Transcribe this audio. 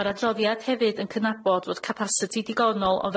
Ma'r adroddiad hefyd yn cynabod fod capasiti digonol o